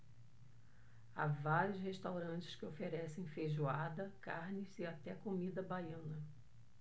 há vários restaurantes que oferecem feijoada carnes e até comida baiana